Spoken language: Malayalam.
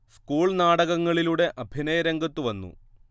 സ്കൂൾ നാടകങ്ങളിലൂടെ അഭിനയ രംഗത്തു വന്നു